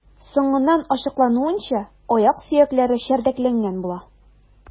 Соңыннан ачыклануынча, аяк сөякләре чәрдәкләнгән була.